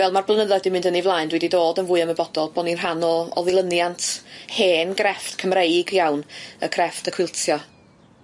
Fel ma'r blynyddoedd 'di mynd yn 'u flaen dwi 'di dod yn fwy ymwybodol bo' ni'n rhan o o ddilyniant hen grefft Cymreig iawn y crefft o cwiltio.